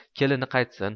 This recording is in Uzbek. kelini qaytsin